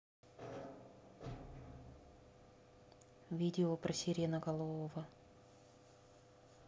видео про сиреноголового